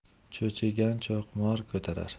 cho'chigan cho'qmor ko'tarar